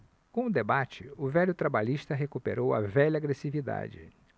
com o debate o velho trabalhista recuperou a velha agressividade